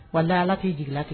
Wala ala k'iigilatigɛ